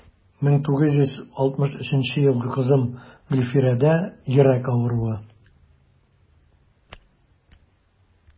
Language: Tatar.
1963 елгы кызым гөлфирәдә йөрәк авыруы.